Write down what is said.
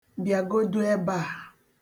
Bịa godu ebe a.